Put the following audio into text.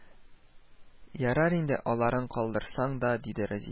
Ярар инде, аларын калдырсаң да, диде Разия